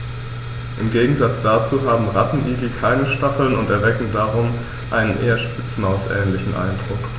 Im Gegensatz dazu haben Rattenigel keine Stacheln und erwecken darum einen eher Spitzmaus-ähnlichen Eindruck.